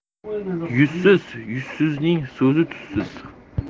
yuzsiz yuzsizning so'zi tuzsiz